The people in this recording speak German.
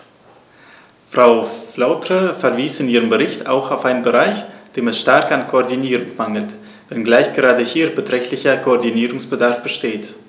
Frau Flautre verwies in ihrem Bericht auch auf einen Bereich, dem es stark an Koordinierung mangelt, wenngleich gerade hier beträchtlicher Koordinierungsbedarf besteht.